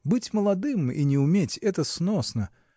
Быть молодым и не уметь -- это сносно